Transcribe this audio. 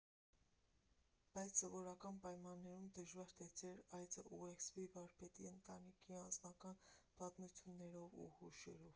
Բայց սովորական պայմաններում դժվար թե ձեր այցը ուղեկցվի վարպետի ընտանիքի անձնական պատմություններով ու հուշերով։